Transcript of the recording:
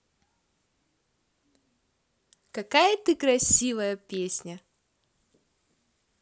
какая ты красивая песня